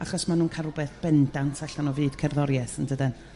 achos ma'n nhw'n ca'l r'wbeth bendant allan o fyd cerddoriaeth yndydyn?